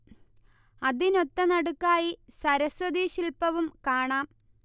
അതിനൊത്തനടുക്കായി സരസ്വതി ശില്പവും കാണാം